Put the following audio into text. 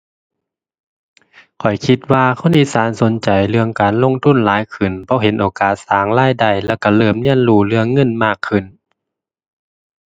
ข้อยคิดว่าคนอีสานสนใจเรื่องการลงทุนหลายขึ้น พอเห็นโอกาสสร้างรายได้ แล้วก็เริ่มเรียนรู้เรื่องเงินมากขึ้น